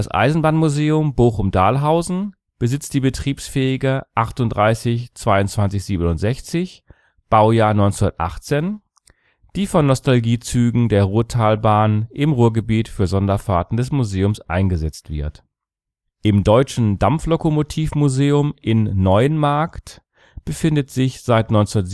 Eisenbahnmuseum Bochum-Dahlhausen besitzt die betriebsfähige 38 2267 (Baujahr 1918), die vor Nostalgiezügen der RuhrtalBahn im Ruhrgebiet und für Sonderfahrten des Museums eingesetzt wird. Im Deutschen Dampflokomotiv-Museum (DDM) in Neuenmarkt befindet sich seit 1977